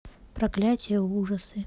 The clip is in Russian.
проклятие ужасы